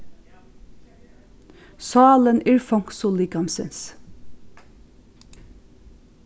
sálin er fongsul likamsins